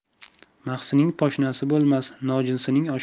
mahsining poshnasi bo'lmas nojinsining oshnasi